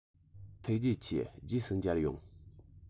ཐུགས རྗེ ཆེ རྗེས སུ མཇལ ཡོང